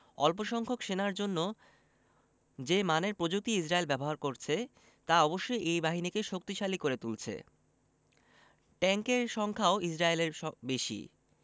অল্পসংখ্যক সেনার জন্য যে মানের প্রযুক্তি ইসরায়েল ব্যবহার করছে তা অবশ্যই এই বাহিনীকে শক্তিশালী করে তুলছে ট্যাংকের সংখ্যাও ইসরায়েলের বেশি